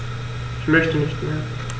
Ich möchte nicht mehr.